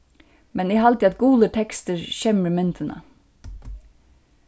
men eg haldi at gulur tekstur skemmir myndina